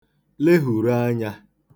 lehùrù anya